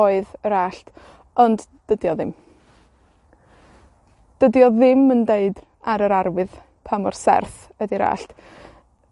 oedd yr allt, ond dydi o ddim. Dydi o ddim yn deud, ar yr arwydd, pa mor serth ydi'r allt.